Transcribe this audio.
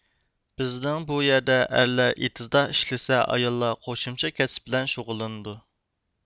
بىزنىڭ بۇ يەردە ئەرلەر ئېتىزدا ئىشلىسە ئاياللار قوشۇمچە كەسىپ بىلەن شۇغۇللىنىدۇ